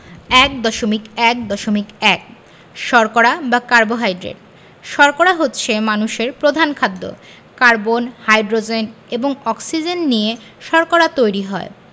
১.১.১ শর্করা বা কার্বোহাইড্রেট শর্করা হচ্ছে মানুষের প্রধান খাদ্য কার্বন হাইড্রোজেন এবং অক্সিজেন নিয়ে শর্করা তৈরি হয়